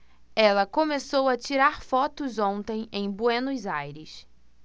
ela começou a tirar fotos ontem em buenos aires